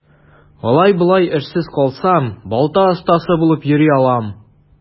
Алай-болай эшсез калсам, балта остасы булып йөри алам.